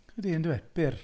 Yndy yn dyw e. Byr.